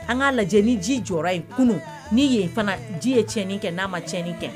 An kaa lajɛ ni ji jɔra in kunun ni yen fana ji ye tiɲɛ li kɛ n'a ma tiɲɛ li kɛ.